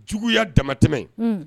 Juguyaya damatɛmɛ